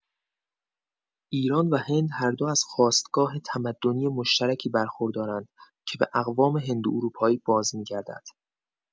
ایران و هند هر دو از خاستگاه تمدنی مشترکی برخوردارند که به اقوام هندواروپایی بازمی‌گردد.